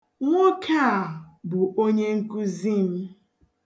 Nwoke a bụ onyenkuzi m.